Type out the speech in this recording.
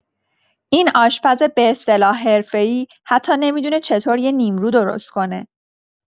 این آشپز به‌اصطلاح حرفه‌ای، حتی نمی‌دونه چطور یه نیمرو درست کنه!